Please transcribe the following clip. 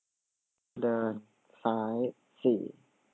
เดินซ้ายสี่